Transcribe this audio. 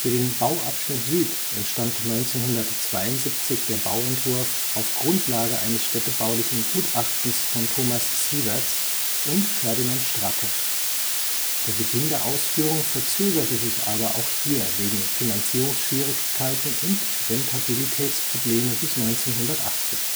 den Bauabschnitt Süd entstand 1972 der Bauentwurf auf Grundlage eines städtebaulichen Gutachtens von Thomas Sieverts und Ferdinand Stracke. Der Beginn der Ausführung verzögerte sich aber auch hier wegen Finanzierungsschwierigkeiten und Rentabilitätsprobleme bis 1980